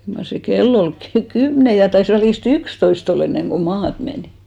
kyllä mar se kello oli - kymmenen ja taisi välistä yksitoista olla ennen kuin maata menin